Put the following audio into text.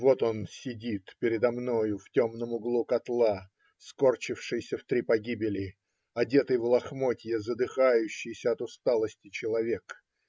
Вот он сидит передо мною в темном углу котла, скорчившийся в три погибели, одетый в лохмотья, задыхающийся от усталости человек.